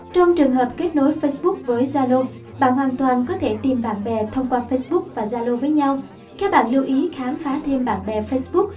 trong trường hợp kết nối facebook với zalo bạn hoàn toàn có thể tìm bạn bè thông qua facebook và zalo với nhau các bạn lưu ý khám phá thêm bạn bè facebook